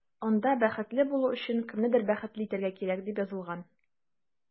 Анда “Бәхетле булу өчен кемнедер бәхетле итәргә кирәк”, дип язылган.